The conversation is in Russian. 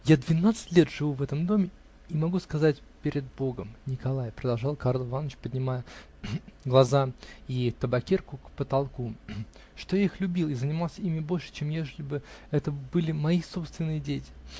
-- Я двенадцать лет живу в этом доме и могу сказать перед Богом, Николай, -- продолжал Карл Иваныч, поднимая глаза и табакерку к потолку, -- что я их любил и занимался ими больше, чем ежели бы это были мои собственные дети.